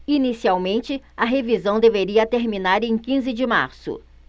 inicialmente a revisão deveria terminar em quinze de março